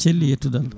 celli yettude Allah